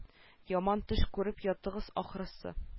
Яман төш күреп яттыгыз ахрысы